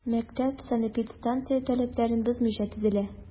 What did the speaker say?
Мәктәп санэпидстанция таләпләрен бозмыйча төзелә.